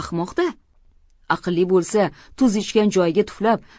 ahmoq da aqli bo'lsa tuz ichgan joyiga tuflab